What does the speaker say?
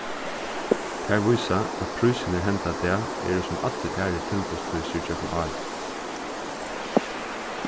tær vísa at prísirnir henda dag eru sum allir aðrir tilboðsprísir gjøgnum árið